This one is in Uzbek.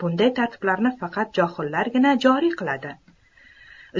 bunday tartiblarni faqat johillargina joriy qiladi